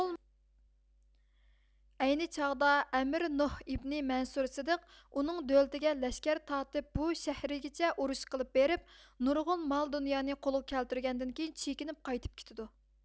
ئەينى چاغدا ئەمىر نوھ ئىبنى مەنسۇر سىدىق ئۇنىڭ دۆلىتىگە لەشكەر تارتىپ بۇ شەھىرىگىچە ئۇرۇش قىلىپ بېرىپ نۇرغۇن مال دۇنيانى قولغا كەلتۈرگەندىن كېيىن چېكىنىپ قايتىپ كېتىدۇ